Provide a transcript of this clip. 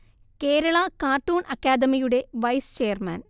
Kerala cartoon അക്കാദമിയുടെ vice chairman